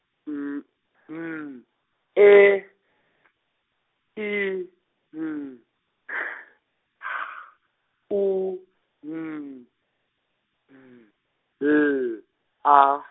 N, N, E , I, N K H U N, D, L, A.